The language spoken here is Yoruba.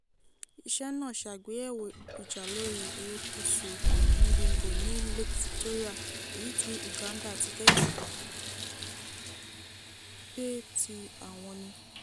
Iṣẹ́ náà ṣe àgbéyẹ̀wò ìjà lórí erékùṣù Migingo ní Lake Victoria, èyí tí Uganda àti Kenya pé ti àwọn ni.